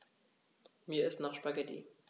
Mir ist nach Spaghetti.